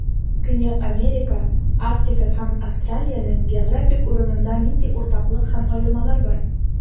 Көньяк Америка, Африка һәм Австралиянең географик урынында нинди уртаклык һәм аермалар бар?